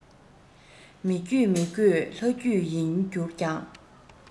མི རྒྱུད མི དགོས ལྷ རྒྱུད ཡིན གྱུར ཀྱང